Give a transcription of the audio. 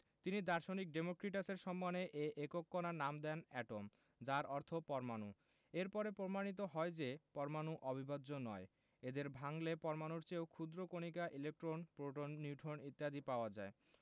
তিনি দার্শনিক ডেমোক্রিটাসের সম্মানে এ একক কণার নাম দেন এটম যার অর্থ পরমাণু এর পরে প্রমাণিত হয় যে পরমাণু অবিভাজ্য নয় এদের ভাঙলে পরমাণুর চেয়েও ক্ষুদ্র কণিকা ইলেকট্রন প্রোটন নিউট্রন ইত্যাদি পাওয়া যায়